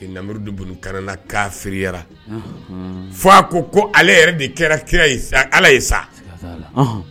Namuru de bokna ka feere fo a ko ko ale yɛrɛ de kɛra kira ala ye sa